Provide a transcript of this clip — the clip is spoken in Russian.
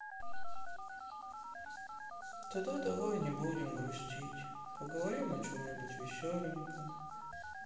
тогда давай не будем грустить поговорим о чем нибудь веселеньком